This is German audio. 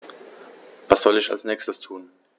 Was soll ich als Nächstes tun?